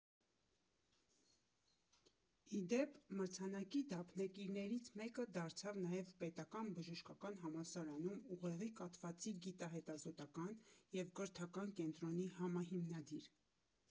Ի դեպ, մրցանակի դափնեկիրներից մեկը դարձավ նաև Պետական բժշկական համալսարանում ուղեղի կաթվածի գիտահետազոտական և կրթական կենտրոնի համահիմնադիր։